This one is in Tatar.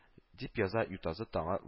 Дип яза ютазы таңы